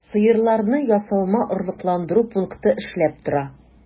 Сыерларны ясалма орлыкландыру пункты эшләп тора.